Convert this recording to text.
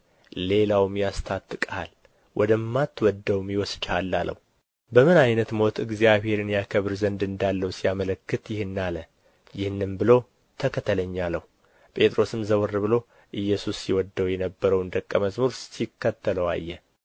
ሌላውም ያስታጥቅሃል ወደማትወደውም ይወስድሃል አለው በምን ዓይነት ሞት እግዚአብሔርን ያከብር ዘንድ እንዳለው ሲያመለክት ይህን አለ ይህንም ብሎ ተከተለኝ አለው ጴጥሮስም ዘወር ብሎ ኢየሱስ ይወደው የነበረውን ደቀ መዝሙር ሲከተለው አየ